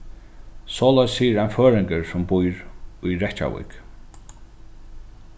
soleiðis sigur ein føroyingur sum býr í reykjavík